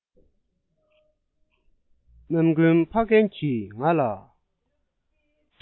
རྣམ ཀུན ཕ རྒན གྱིས ང ལ